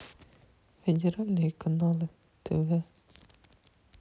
федеральные каналы тв